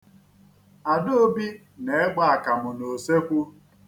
Adaobi na-egbe akamụ n'usekwu.